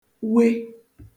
we